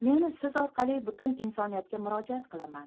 men siz orqali butun insoniyatga murojaat qilaman